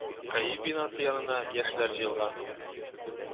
КАИ бинасы янына яшьләр җыелган